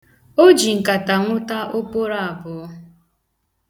O ji nkata nwụta oporo abuọ.